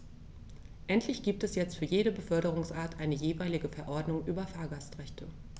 Endlich gibt es jetzt für jede Beförderungsart eine jeweilige Verordnung über Fahrgastrechte.